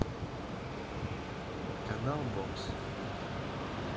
канал бокс